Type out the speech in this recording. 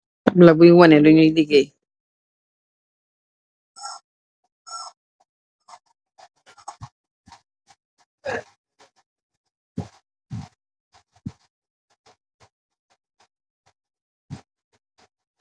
Tapla bui waneh lu ñoy ligeey.